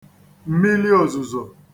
m̀miliòzùzò